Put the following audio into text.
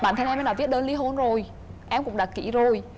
bản thân em đã đòi viết đơn li hôn rồi em cũng đã kí rồi